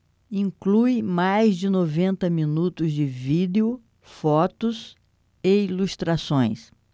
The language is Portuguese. inclui mais de noventa minutos de vídeo fotos e ilustrações